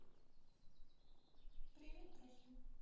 привет просто